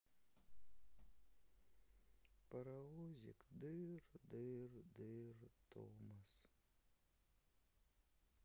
паровозик дыр дыр дыр томас